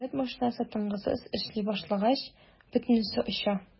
Дәүләт машинасы тынгысыз эшли башлагач - бөтенесе оча.